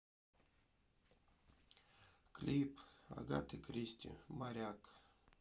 клип агаты кристи моряк